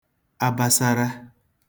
abasara